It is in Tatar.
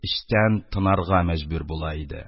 Эчтән тынарга мәҗбүр була иде.